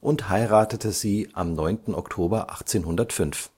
und heiratete sie am 9. Oktober 1805